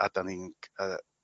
a 'dan ni'n g- yy...